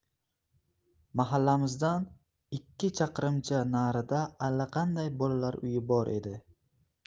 mahallamizdan ikki chaqirimcha narida allaqanday bolalar uyi bor edi